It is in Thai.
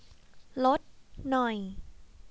ลดหน่อย